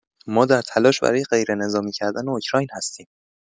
ما در تلاش برای غیرنظامی کردن اوکراین هستیم.